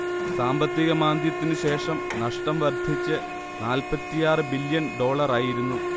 സാമ്പത്തിക മാന്ദ്യത്തിനുശേഷം നഷ്ടം വർധിച്ച് നാൽപ്പത്തിയാറ് ബില്യൺ ഡോളറായിരുന്നു